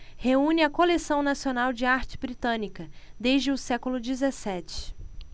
reúne a coleção nacional de arte britânica desde o século dezessete